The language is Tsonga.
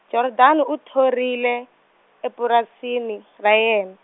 Jordaan u thorile, epurasini, ra yena.